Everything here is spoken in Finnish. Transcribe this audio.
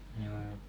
joo joo